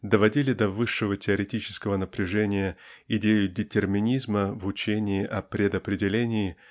доводили до высшего теоретического напряжения идею детерминизма в учении о предопределении